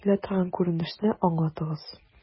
Күзәтелә торган күренешне аңлатыгыз.